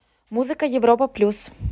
музыка европа плюс